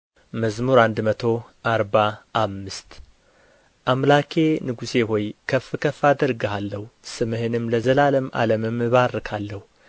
መዝሙር መቶ አርባ አምስት አምላኬ ንጉሤ ሆይ ከፍ ከፍ አደርግሃለሁ ስምህንም ለዘላለም ዓለምም እባርካለሁ